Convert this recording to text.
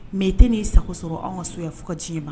Mɛ i tɛ n'i sago sɔrɔ anw ka so yan fo ka diɲɛ ma